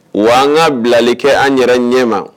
Wa an ka bilali kɛ an yɛrɛ ɲɛ ma